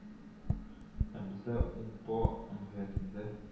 Ә бездә умпо әмгыятендә